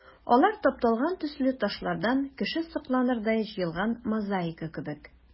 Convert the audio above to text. Алар тапталган төсле ташлардан кеше сокланырдай җыелган мозаика кебек.